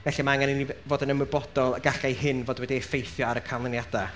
Felly ma' angen i ni fod yn ymwybodol y gallai hyn fod wedi effeithio ar y canlyniadau.